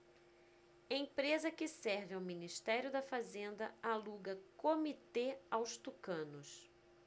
empresa que serve ao ministério da fazenda aluga comitê aos tucanos